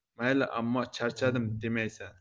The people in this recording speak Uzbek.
mayli ammo charchadim demaysan